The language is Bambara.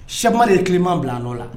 Sekumaru ye Kilema a nɔ la